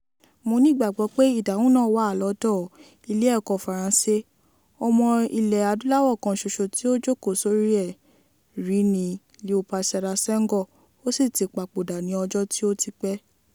Mo ní ìgbàgbọ́ pé ìdáhùn náà wà lọdọ Ilé Ẹ̀kọ́ Faransé: ọmọ Ilẹ̀ Adúláwò kan ṣoṣo tí ó jókòó sórí ẹ̀ rí ni Leopold Sedar Senghor, ó sì ti papòdà ní ọjọ́ tí ó ti pẹ̀.